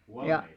ja